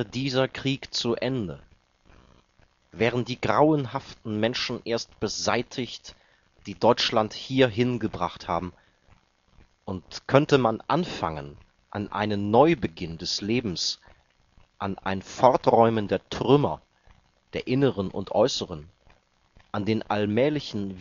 dieser Krieg zu Ende! Wären die grauenhaften Menschen erst beseitigt, die Deutschland hierhin gebracht haben, und könnte man anfangen, an einen Neubeginn des Lebens, an ein Forträumen der Trümmer, der inneren und äußeren, an den allmählichen